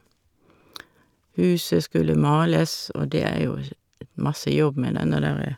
Huset skulle males, og det er jo sj masse jobb med den der derre...